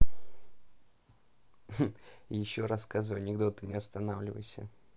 еще рассказывай анекдоты не останавливайся